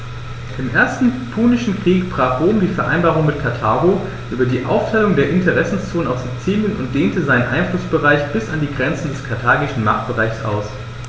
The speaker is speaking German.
Im Ersten Punischen Krieg brach Rom die Vereinbarung mit Karthago über die Aufteilung der Interessenzonen auf Sizilien und dehnte seinen Einflussbereich bis an die Grenze des karthagischen Machtbereichs aus.